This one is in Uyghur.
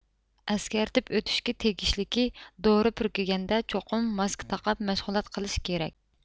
ئەسكەرتىپ ئۆتۈشكە تېگىشلىكى دورا پۈركىگەندە چوقۇم ماسكا تاقاپ مەشغۇلات قىلىش كېرەك